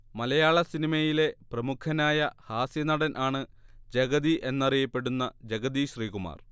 മലയാള സിനിമയിലെ പ്രമുഖനായ ഹാസ്യനടൻ ആണ് ജഗതി എന്നറിയപ്പെടുന്ന ജഗതി ശ്രീകുമാർ